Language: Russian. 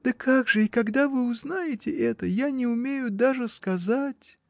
Да как же и когда вы узнаете это: я не умею даже сказать!.